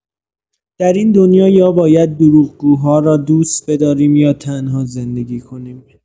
در این دنیا، یا باید دروغگوها را دوست بداریم، یا تنها زندگی کنیم.